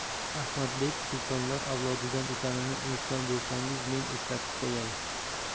ahmadbek sultonlar avlodidan ekanini unutgan bo'lsangiz men eslatib qo'yay